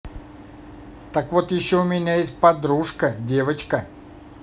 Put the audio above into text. так вот еще у меня есть подружка девочка